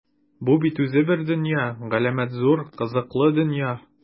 Бу бит үзе бер дөнья - галәмәт зур, кызыклы дөнья!